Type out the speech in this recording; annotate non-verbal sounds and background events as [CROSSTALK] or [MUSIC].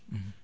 [HESITATION] [HESITATION]